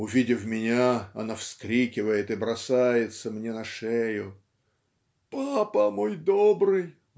"Увидав меня, она вскрикивает и бросается мне на шею. "Папа мой добрый.